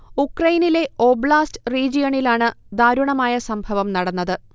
ഉക്രെയിനിലെ oblast റീജിയണിലാണ് ദാരുണമായ സംഭവം നടന്നത്